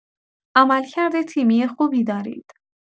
عملکرد تیمی خوبی دارید.